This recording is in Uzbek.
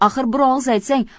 axir bir og'iz aytsang